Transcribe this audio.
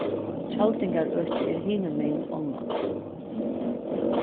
tjaldingarøkið er hinumegin ánna